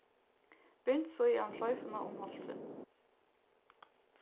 bint síðan sloyfuna um hálsin